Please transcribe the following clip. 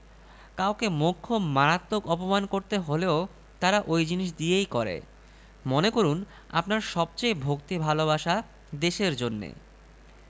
কার দাবিটা ঠিক ধনীর না জ্ঞানীর আমি নিজে জ্ঞানের সন্ধানে ফিরি কাজেই আমার পক্ষে নিরপেক্ষ হওয়া কঠিন তবে একটা জিনিস আমি লক্ষ করেছি